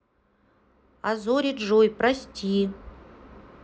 а зори джой прости